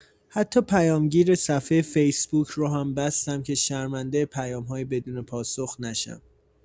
حتی پیام‌گیر صفحه فیسبوک رو هم بستم که شرمنده پیام‌های بدون پاسخ نشم.